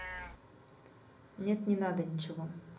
нет не надо ничего